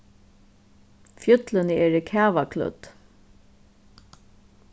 fjøllini eru kavaklødd